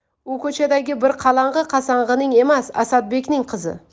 u ko'chadagi bir qalang'i qasang'ining emas asabdekning qizi